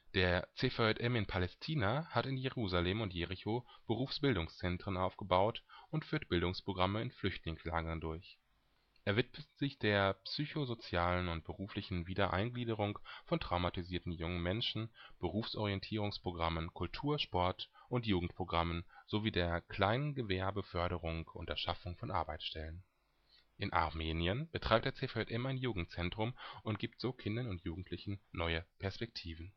Der CVJM in Palästina hat in Jerusalem und Jericho Berufsbildungszentren aufgebaut und führt Bildungsprogramme in Flüchtlingslagern durch. Er widmet sich der psycho-sozialen und beruflichen Wiedereingliederung von traumatisierten jungen Menschen, Berufsorientierungs-Programmen, Kultur -, Sport - und Jugendprogrammen sowie der Kleingewerbeförderung und der Schaffung von Arbeitsstellen. In Armenien betreibt der CVJM ein Jugendzentrum und gibt so Kindern und Jugendlichen neue Perspektiven